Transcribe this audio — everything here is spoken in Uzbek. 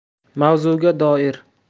mavzuga doir